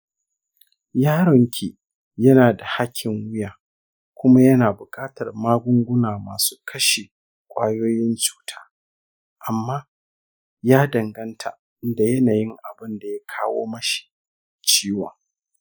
yaron ki yanada hakin wuya kuma yana bukatar magungunan masu kashe kwayoyin cuta amma ya danganta da yanayin abunda ya kawo mashi ciwon